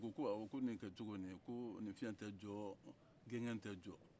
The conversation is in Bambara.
u ko ko awɔ ko nin kɛcogo ye nin ko nin fiyɛn tɛ jɔ gɔngɔn tɛ jɔ